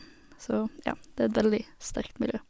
Så, ja, det er et veldig sterkt miljø.